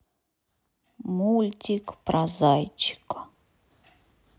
мультик про зайчика